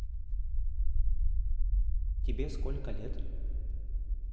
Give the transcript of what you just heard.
тебе сколько лет